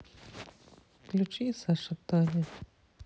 включи саша таня